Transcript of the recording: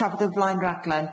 trafod y flaen raglen.